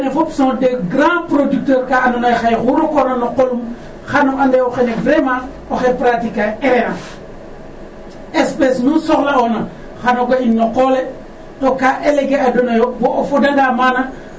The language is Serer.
We ne fop se sont des grand producteur ka andoona yee xaye oxu rokona na qolum xan o ande xene vraiment oxey pratiquer a RNA espece nu soxla'oona xan o ga'in no qol le to ka éléguer elooyo bo o fodanga maaga.